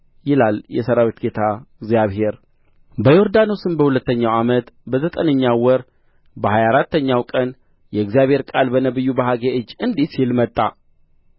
ይላል የሠራዊት ጌታ እግዚአብሔር በዚህም ስፍራ ሰላምን እሰጣለሁ ይላል የሠራዊት ጌታ እግዚአብሔር በዳርዮስም በሁለተኛው ዓመት በዘጠነኛው ወር በሀያ አራተኛው ቀን የእግዚአብሔር ቃል በነቢዩ በሐጌ እጅ እንዲህ ሲል መጣ